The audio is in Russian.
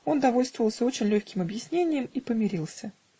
Он довольствовался очень легким объяснением и помирился.